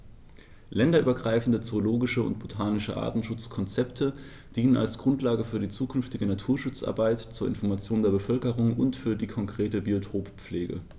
Länderübergreifende zoologische und botanische Artenschutzkonzepte dienen als Grundlage für die zukünftige Naturschutzarbeit, zur Information der Bevölkerung und für die konkrete Biotoppflege.